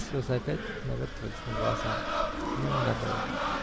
И слезы опять навертывались на глаза; но ненадолго.